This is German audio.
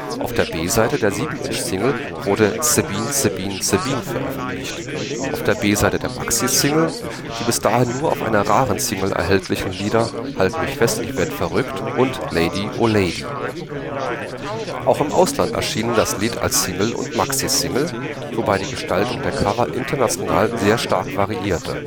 Auf der B-Seite der 7 "- Single wurde „ Sabine Sabine Sabine “veröffentlicht; auf der B-Seite der Maxi-Single die bis dahin nur auf einer raren Single erhältlichen Lieder „ Halt mich fest ich werd verrückt “und „ Lady-O-Lady “. Auch im Ausland erschien das Lied als Single und Maxi-Single, wobei die Gestaltung der Cover international sehr stark variierte